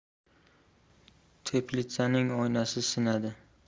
teplitsaning oynasi sinadi